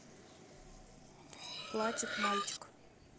плачет мальчик